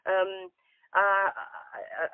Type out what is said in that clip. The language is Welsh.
Yym a a a a yy.